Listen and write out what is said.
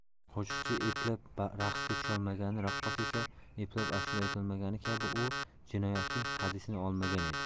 qo'shiqchi eplab raqsga tusholmagani raqqosa esa eplab ashula aytolmagani kabi u jinoyatning hadisini olmagan edi